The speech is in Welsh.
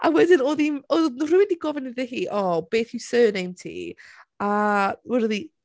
A wedyn oedd hi'n... oedd rhywun 'di gofyn iddi hi "o beth yw surname ti?" A wedodd hi...